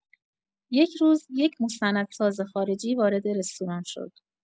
یک روز، یک مستندساز خارجی وارد رستوران شد.